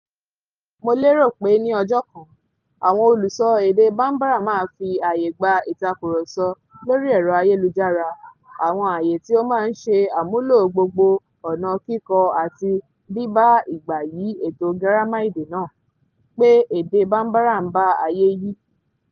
Mo lérò pé ní ọjọ́ kan, àwọn olùsọ èdè Bambara máa fi ààyè gba ìtakùrọsọ lórí ẹ̀rọ ayélujára, àwọn ààyè tí ó máa ń ṣe àmúlò gbogbo ọ̀nà kíkọ àti bíbá ìgbà yí ètò gírámà èdè náà, pé èdè Bambara ń bá ayé yí